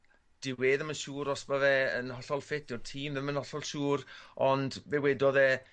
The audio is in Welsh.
dyw e ddim yn siŵr os ma' fe yn hollol ffit dyw'r tîm ddim yn ollol siŵr ond fe wedodd e